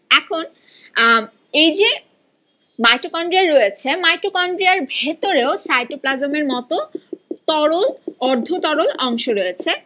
এখন এই যে মাইটোকনড্রিয়া রয়েছে মাইটোকনড্রিয়া ভেতর ও সাইটোপ্লাজম এর মত তরল অর্ধতরল অংশ রয়েছে